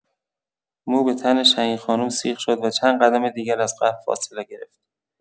مو به تن شهین خانم سیخ شد و چند قدم دیگر از قبر فاصله گرفت.